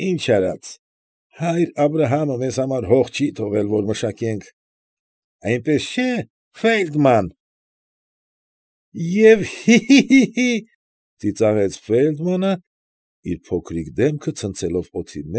Ի՞նչ արած, հայր Աբրահամը մեզ համար հող չի թողել, որ մշակենք… Այնպես չէ՞, Ֆեյլդման։ ֊ Հի՜, հի՜, հի՜,֊ ծիծաղեց Ֆեյլդմանը իր փոքրիկ դեմքը ցցելով օդի։